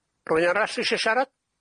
R'wun arall isio siarad?